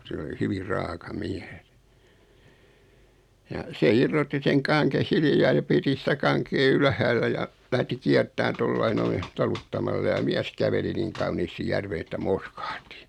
se oli hyvin raaka mies ja se irrotti sen kangen hiljaa ja piti sitä kankea ylhäällä ja lähti kiertämään tuolla lailla noin taluttamalla ja mies käveli niin kauniisti järveen että molskahti